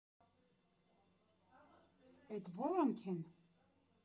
Էդ որո՞նք են։